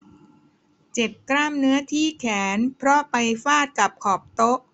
เจ็บกล้ามเนื้อที่แขนเพราะแขนไปฟาดกับขอบโต๊ะ